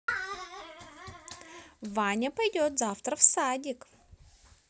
ваня пойдет завтра в садик